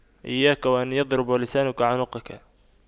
إياك وأن يضرب لسانك عنقك